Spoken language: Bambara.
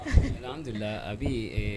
Alhamdulilahi ye ɛɛ